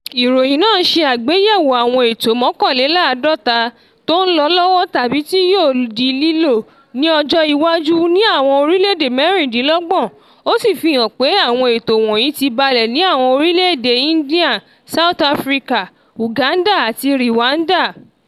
Ìròyìn náà ṣe àgbéyẹ̀wò àwọn ètò mọ́kànléláàdọ́ta tó ń lọ lọ́wọ́ tàbí tí yóò di lílò ní ọjọ́ iwájú ní àwọn orílẹ̀ èdè mẹ́rìndínlọ́gbọ̀n, ó sì fi hàn pé àwọn ètò wọ̀nyí ti balẹ̀ ní àwọn orílẹ̀ èdè India, South Africa, Uganda àti Rwanda.